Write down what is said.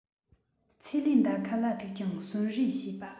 ཚེ ལས འདའ ཁ ལ ཐུག ཀྱང གསོན རེ བྱེད པ